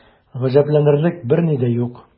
Гаҗәпләнерлек берни дә юк.